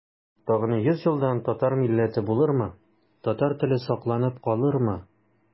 Тагын йөз елдан татар милләте булырмы, татар теле сакланып калырмы?